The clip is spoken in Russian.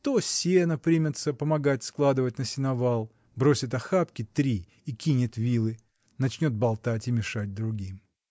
То сено примется помогать складывать на сеновал: бросит охапки три и кинет вилы, начнет болтать и мешать другим.